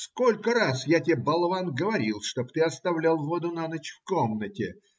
- Сколько раз я тебе, болван, говорил, чтобы ты оставлял воду на ночь в комнате!